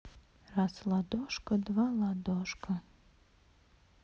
раз ладошка два ладошка